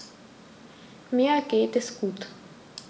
Mir geht es gut.